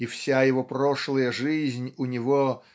И вся его прошлая жизнь у него